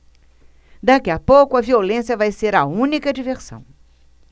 daqui a pouco a violência vai ser a única diversão